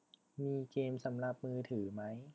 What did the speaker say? มีเกมสำหรับมือถือไหม